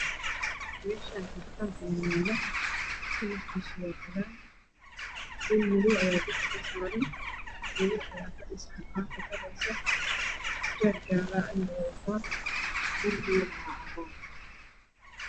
Meshan harqan aya yalo kalrkis waa cadan dun madow ah aya dusha kasaran gabar aya fadhido oo harqan doleyso xijab jale ah ayey wadata dirbigan waa cadan